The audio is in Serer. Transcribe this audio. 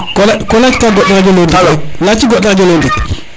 ko yac ka goɗ radio le o ndik rek yaci goɗ radio le o ndik